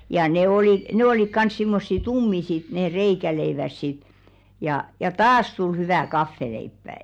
ja ne - ne olivat kanssa semmoisia tummia sitten ne reikäleivät sitten ja ja taas tuli hyvä kahvileipä